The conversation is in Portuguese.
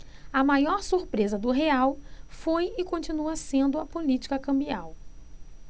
a maior surpresa do real foi e continua sendo a política cambial